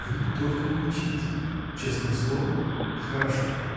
— Вы только молчите — честное слово? — Хорошо.